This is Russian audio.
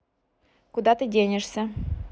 куда ты денешься